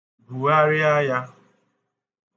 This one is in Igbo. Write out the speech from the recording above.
Bugharịa ya.